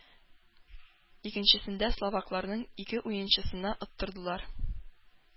Икенчесендә словакларның ике уенчысына оттырдылар.